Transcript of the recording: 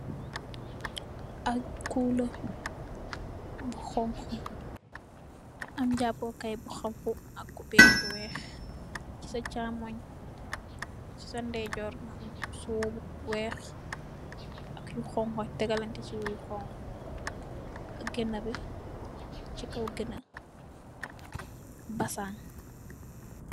Ak kuloh bu honhu, am njampoh kaii bu honhu ak couberre ju wekh, cii sa chaamongh, cii sa ndeyjorr nga am siwoh bu wekh ak yu honhu, tehgalanteh siwoh yu honhu, ak gehnah bii chi kaw gehnah basan.